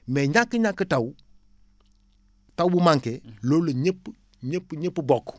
mais ñàkk-ñàkk taw taw bu manqué loolu la ñëpp ñëpp ñëpp bokk